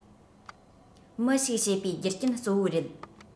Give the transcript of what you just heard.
མི ཞིག བྱེད པའི རྒྱུ རྐྱེན གཙོ བོ རེད